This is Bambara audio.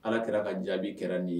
Ala kɛra ka jaabi kɛ n nin ye